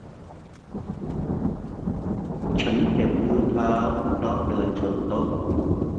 ฉันเจ็บนิ้วเท้าเพราะเดินชนโต๊ะ